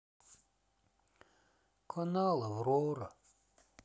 канал аврора